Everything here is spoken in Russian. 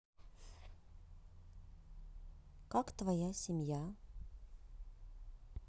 кто твоя семья